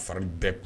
Farin bɛɛ kun